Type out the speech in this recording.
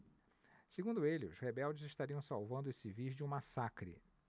segundo ele os rebeldes estariam salvando os civis de um massacre